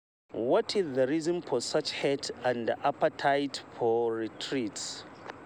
What is the reason for such hate and appetite for retreat?